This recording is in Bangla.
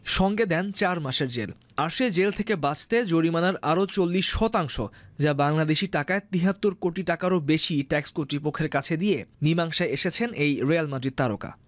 সঙ্গে দেন চার মাসের জেল আর সে থেকে বাঁচতে জরিমানার আরো ৪০ শতাংশ যা বাংলাদেশী টাকায় ৭৩ কোটি টাকারও বেশি টেক্স কর্তৃপক্ষের কাছে দিয়ে মীমাংসায় এসেছেন এ রিয়াল মাদ্রিদ তারকা